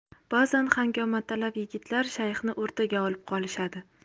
bazan hangomatalab yigitlar shayxni o'rtaga olib qolishadi